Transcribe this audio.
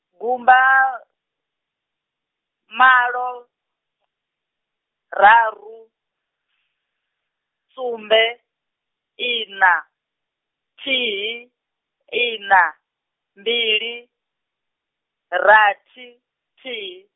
gumba, malo, raru, sumbe, ina, thihi, ina, mbili, rathi, thihi.